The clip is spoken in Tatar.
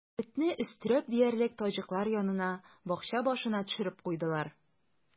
Этне, өстерәп диярлек, таҗиклар янына, бакча башына төшереп куйдылар.